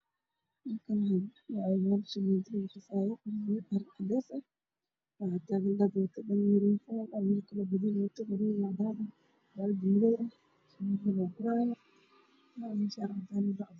Waa niman wataan dhar cagaar ah oo ciid gurayaan oo sakaal bad u haystaan aada qaba ayaa la joogo